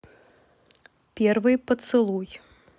первый поцелуй